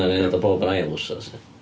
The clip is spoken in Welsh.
Wnawn ni wneud o bob yn ail wythnos 'lly.